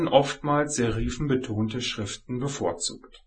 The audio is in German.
oftmals serifenbetonte Schriften bevorzugt